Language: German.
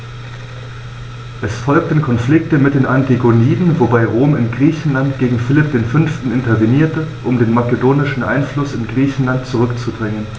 Es folgten Konflikte mit den Antigoniden, wobei Rom in Griechenland gegen Philipp V. intervenierte, um den makedonischen Einfluss in Griechenland zurückzudrängen.